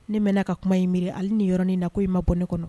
Ne mɛn na ka kuma in miiri. Hali nin yɔrɔ nin na ko i ma bɔ ne kɔnɔ.